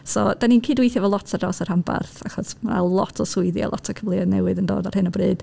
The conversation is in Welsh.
So dan ni'n cydweithio efo lot ar draws y rhanbarth. Achos mae lot o swyddi a lot o cyfleoedd newydd yn dod ar hyn o bryd.